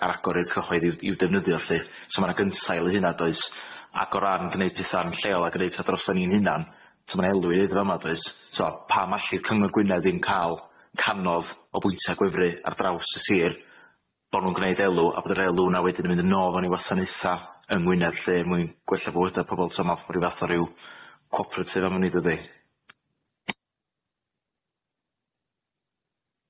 ar agor i'r cyhoedd i'w i'w defnyddio lly so ma' na gynsail i hynna does agor arn gneud petha'n lleol a gneud petha drosan ni'n hunan so ma' na elw i neuddo fa' ma' does so pa mallydd cyngor Gwynedd i'n ca'l canodd o bwyntia gwefru ar draws y sir bo' nw'n gneud elw a bod yr elw yna wedyn yn mynd yn ôf yn i wasanaetha yng Ngwynedd lly mwyn gwella fwyda pobol t'o' ma' ryw fath o ryw co-operative amwn i dydi?